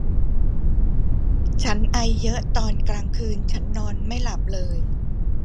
ฉันไอเยอะตอนกลางคืนฉันนอนไม่หลับเลย